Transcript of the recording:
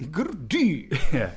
I Gaerdydd... ie